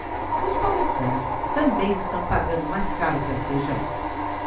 os paulistanos também estão pagando mais caro pelo feijão